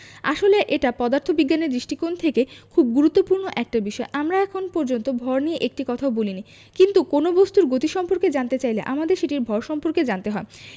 আসলে এটা পদার্থবিজ্ঞানের দৃষ্টিকোণ থেকে খুব গুরুত্বপূর্ণ একটা বিষয় আমরা এখন পর্যন্ত ভর নিয়ে একটি কথাও বলিনি কিন্তু কোনো কিছুর গতি সম্পর্কে জানতে চাইলে আমাদের সেটির ভর সম্পর্কে জানতে হয়